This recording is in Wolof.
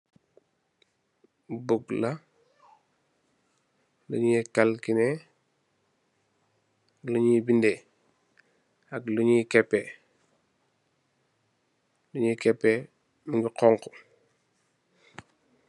Book la, lu nye calkinè, lu nye bindè ak lu nye keppè. Lu nye mungi honku.